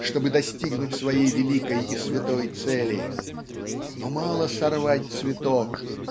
чтобы достигнуть своей великой и святой цели. Но мало сорвать цветок